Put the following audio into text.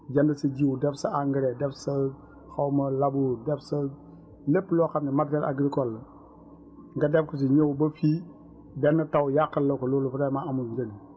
jënd sa jiwu def sa engrais def sa xaw ma labour def sa lépp loo xam ne matériels agricoles la nga def ko si ñëw ba fii benn taw yàqal la ko loolu vraiment amul njëriñ